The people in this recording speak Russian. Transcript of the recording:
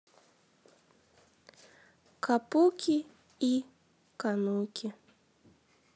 капуки и кануки